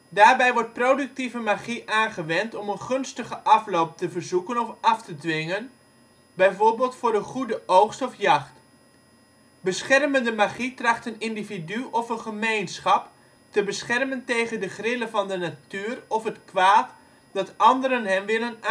Daarbij wordt productieve magie aangewend om een gunstige afloop te verzoeken of af te dwingen, bijvoorbeeld voor een goede oogst of jacht. Beschermende magie tracht een individu of een gemeenschap te beschermen tegen de grillen van de natuur of het kwaad dat anderen hen willen aandoen